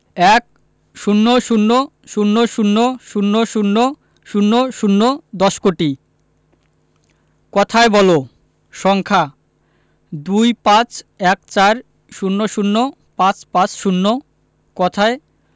১০০০০০০০০ দশ কোটি কথায় বলঃ সংখ্যাঃ ২৫ ১৪ ০০ ৫৫০ কথায়ঃ